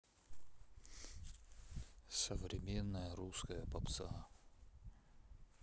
современная русская попса